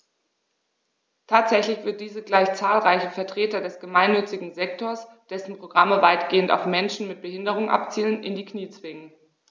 Tatsächlich wird dies gleich zahlreiche Vertreter des gemeinnützigen Sektors - dessen Programme weitgehend auf Menschen mit Behinderung abzielen - in die Knie zwingen.